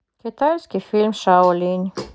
китайский фильм шаолинь